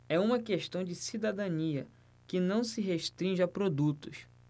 é uma questão de cidadania que não se restringe a produtos